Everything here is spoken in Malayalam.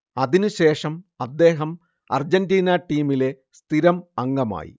അതിനുശേഷം അദ്ദേഹം അർജന്റീന ടീമിലെ സ്ഥിരം അംഗമായി